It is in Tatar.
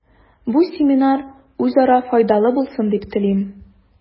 Бу семинар үзара файдалы булсын дип телим.